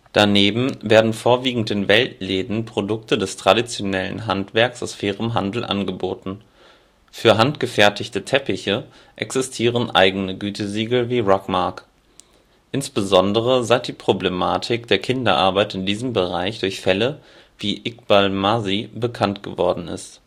Daneben werden, vorwiegend in Weltläden, Produkte des traditionellen Handwerks aus fairem Handel angeboten. Für handgefertigte Teppiche existieren eigene Gütesiegel wie Rugmark, insbesondere seit die Problematik der Kinderarbeit in diesem Bereich durch Fälle wie Iqbal Masih bekannt geworden ist